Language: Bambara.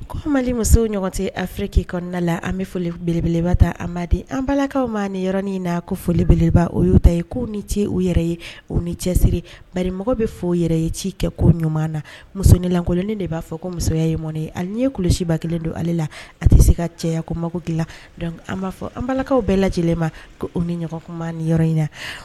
Ko mali musow ɲɔgɔn tɛ afiriki kɔnɔna la an bɛ folibelebeleba ta a madi anbalakaw ma niɔrɔnin in na ko foli bbeleba o' ta ye k kou ni ce u yɛrɛ ye u ni cɛsiri marimɔgɔ bɛ fɔ yɛrɛ ye ci kɛ ko ɲuman na musosoninlankolonin de b'a fɔ ko musoya ye mɔnɔni ale ye kulusiba kelen don ale la a tɛ se ka cɛ ko mago dilan dɔnkuc an b'a fɔ an balakaw bɛɛ lajɛlen ma ko u ni ɲɔgɔnkuma ni yɔrɔ in na